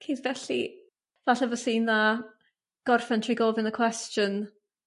felly falle fysa 'i'n dda gorffen trwy gof yn y cwestiwn